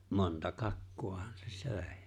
monta kakkuahan se söi